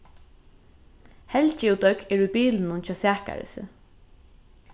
helgi og døgg eru í bilinum hjá sakarisi